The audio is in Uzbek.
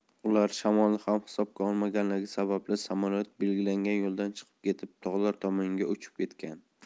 ular shamolni ham hisobga olmaganligi sababli samolyot belgilangan yo'ldan chiqib ketib tog'lar tomonga uchib ketgan